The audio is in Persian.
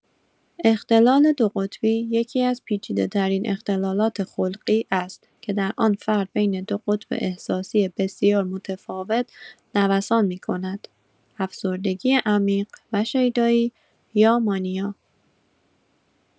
ختلال دوقطبی یکی‌از پیچیده‌ترین اختلالات خلقی است که در آن فرد بین دو قطب احساسی بسیار متفاوت نوسان می‌کند: افسردگی عمیق و شیدایی یا مانیا.